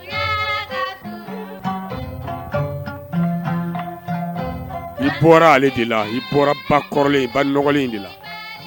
I bɔra ale de la i bɔra ba kɔrɔlen i ba lalen de la